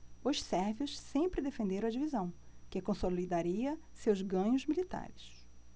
os sérvios sempre defenderam a divisão que consolidaria seus ganhos militares